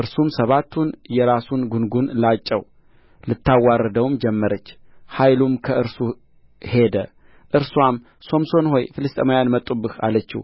እርሱም ሰባቱን የራሱን ጕንጕን ላጨው ልታዋርደውም ጀመረች ኃይሉም ከእርሱ ሄደ እርስዋም ሶምሶን ሆይ ፍልስጥኤማውያን መጡብህ አለችው